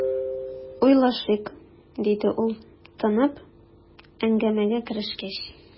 "уйлашыйк", - диде ул, тынып, әңгәмәгә керешкәч.